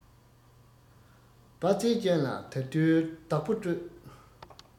དཔའ རྩལ ཅན ལ དལ དུས བདག པོ སྤྲོད